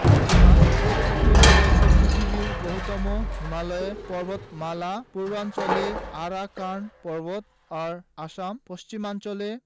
অবস্থান এর উত্তরে রয়েছে পৃথিবীর বৃহত্তম হিমালয় পর্বতমালা পূর্বাঞ্চলে আরাকান পর্বত ও আসাম পশ্চিমাঞ্চলে